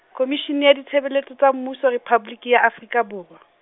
Khomishene ya Ditshebeletso tsa Mmuso Rephaboliki ya Afrika Borwa.